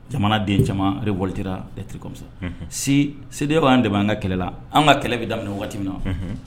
Jamana den caman waritirimisa si seden b bɛ an dɛmɛ an ka kɛlɛla an ka kɛlɛ bɛ daminɛ waati min na